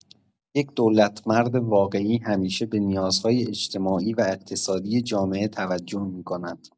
یک دولتمرد واقعی همیشه به نیازهای اجتماعی و اقتصادی جامعه توجه می‌کند.